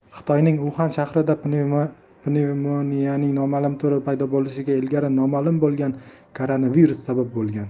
xitoyning uxan shahrida pnevmoniyaning noma'lum turi paydo bo'lishiga ilgari noma'lum bo'lgan koronavirus sabab bo'lgan